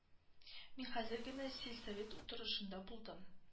Мин хәзер генә сельсовет утырышында булдым